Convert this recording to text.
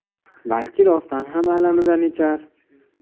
balki rostdan ham alamidan ichar